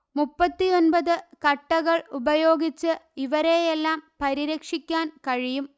മുപ്പത്തിയൊന്പത് കട്ടകൾ ഉപയോഗിച്ച് ഇവരെയെല്ലാം പരിരക്ഷിക്കാൻകഴിയും